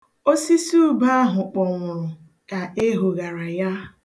Osisi ube ahụ kpọnwụrụ ka ehoghara ya.